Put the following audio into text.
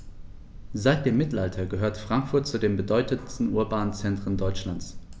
Seit dem Mittelalter gehört Frankfurt zu den bedeutenden urbanen Zentren Deutschlands.